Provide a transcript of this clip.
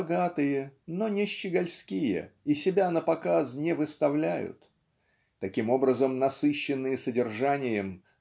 богатые, но не щегольские, и себя напоказ не выставляют. Таким образом насыщенные содержанием